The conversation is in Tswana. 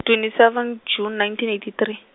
twenty seven June, nineteen eighty three.